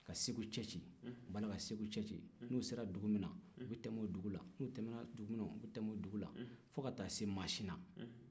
ka segu cɛti u b'a la ka segu cɛti n'u sera dugu min na u bɛ tɛmɛ o dugu la fo ka taa se masina